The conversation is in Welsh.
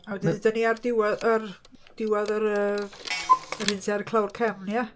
A wedyn ddeudon ni ar diwadd yr diwadd yr yy yr hyn sydd ar y clawr cefn ia?